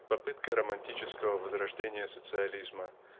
попытка романтического возрождения социализма